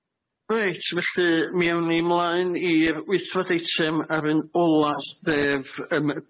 Reit felly, mi awn ni mlaen i'r wythfed eitem a'r un ola' sef yym